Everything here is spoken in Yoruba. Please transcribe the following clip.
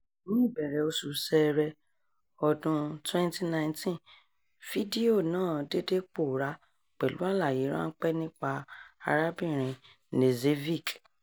Ní ìbẹ̀rẹ̀ oṣù Ṣẹẹrẹ ọdún 2019, fídíò náà dédé pòórá pẹ̀lú àlàyé ránńpẹ́ nípa arábìnrin Knežević.